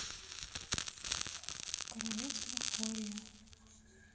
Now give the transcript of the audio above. королевство холли